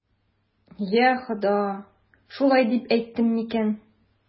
Йа Хода, шулай дип әйттем микән?